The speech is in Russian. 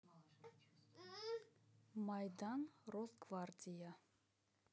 майдан росгвардия